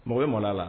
Mɔgɔ mɔn la